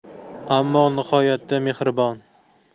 ammo nihoyatda mehribon